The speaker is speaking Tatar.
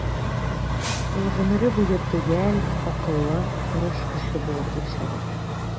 Ул гомере буе төгәл, акыллы, тырыш кеше булып яшәде.